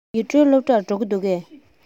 ཉི སྒྲོན སློབ གྲྭར འགྲོ གི འདུག གས